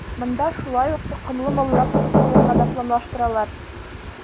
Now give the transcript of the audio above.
Монда шулай ук токымлы маллар сатып алырга да планлаштыралар.